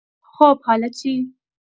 خب حالا چی؟